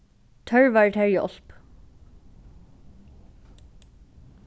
tørvar tær hjálp